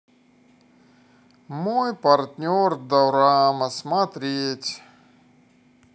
мой партнер дорама смотреть